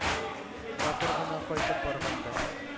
Матур гына кайтып барганда